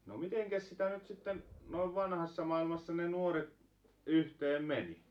no mitenkäs sitä nyt sitten noin vanhassa maailmassa ne nuoret yhteen meni